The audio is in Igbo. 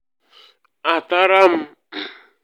Atara m!'